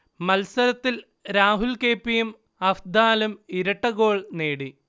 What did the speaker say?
മത്സരത്തിൽ Rahul K. P. യും അഫ്ദാലും ഇരട്ടഗോൾ നേടി